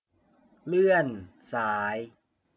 เลื่อนซ้าย